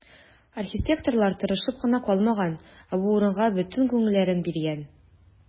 Архитекторлар тырышып кына калмаган, ә бу урынга бөтен күңелләрен биргән.